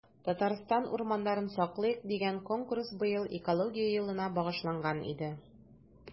“татарстан урманнарын саклыйк!” дигән конкурс быел экология елына багышланган иде.